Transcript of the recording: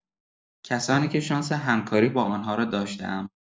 کسانی که شانس همکاری با آن‌ها را داشته‌ام